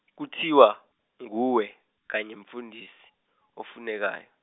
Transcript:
kuthiwa nguwe kanye mfundisi ofunekayo.